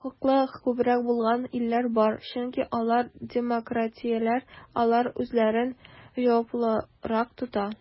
Хокуклары күбрәк булган илләр бар, чөнки алар демократияләр, алар үзләрен җаваплырак тота.